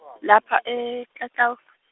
lapha e-Clau Clau.